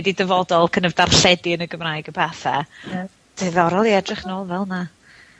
'di dyfodol kin' of darlledu yn y Gymraeg a pethe. Ie. Diddorol i edrych nôl fel 'na.